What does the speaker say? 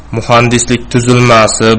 muhandislik tuzilmasi